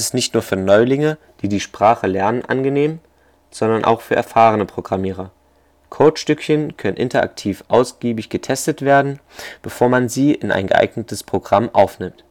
nicht nur für Neulinge, die die Sprache lernen, angenehm, sondern auch für erfahrene Programmierer: Code-Stückchen können interaktiv ausgiebig getestet werden, bevor man sie in ein geeignetes Programm aufnimmt